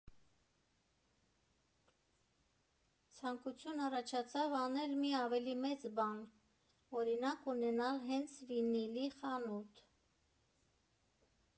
Ցանկություն առաջացավ անել մի ավելի մեծ բան, օրինակ՝ ունենալ հենց վինիլի խանութ։